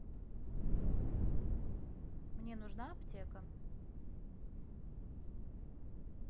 мне нужна аптека